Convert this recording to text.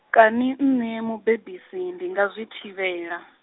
kani nṋe mubebisi ndi nga zwi thivhela?